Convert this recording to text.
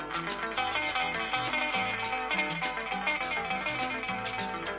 Maa